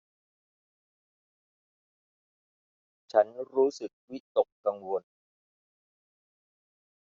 ฉันรู้สึกวิตกกังวล